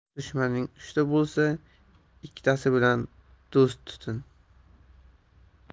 dushmaning uchta bo'lsa ikkitasi bilan do'st tutin